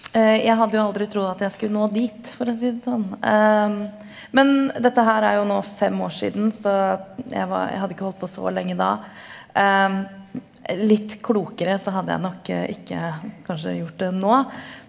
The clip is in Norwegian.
jeg hadde jo aldri trodd at jeg skulle nå dit, for å si det sånn, men dette her er jo nå fem år siden så jeg var jeg hadde ikke holdt på så lenge da litt klokere så hadde jeg nok ikke kanskje gjort det nå.